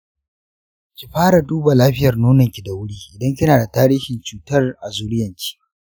ki fara duba lafiyar nononki da wuri idan kinada tarihin cutar a zuriyanki.